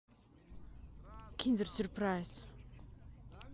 kinder surprise